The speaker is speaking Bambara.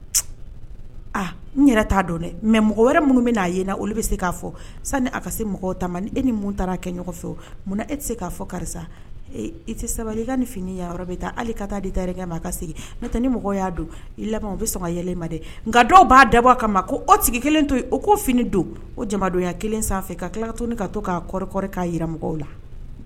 T'a dɔn mɛ mɔgɔ wɛrɛ minnu bɛa ye olu bɛ se k'a fɔ sani a ka se mɔgɔw ta ni taara kɛ ɲɔgɔn fɛ munna e tɛ se k fɔ karisa i tɛ sabali i ka ni fini ya yɔrɔ bɛ taa hali ka taa kɛ ma ka segin ni y don i bɛ sɔn ka yɛlɛ ma nka dɔw b'a dabɔ kama ma o tigi kelen to yen o ko fini don o jamadɔya kelen sanfɛ ka tila ka to ka to k' kɔrɔɔriɔri k'a jira mɔgɔw la